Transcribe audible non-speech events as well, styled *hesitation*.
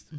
*hesitation*